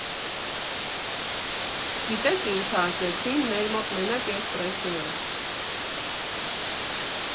Գիտե՞ս ինչ ասեցին՝ մեր մոտ մենակ էսպրեսո ա։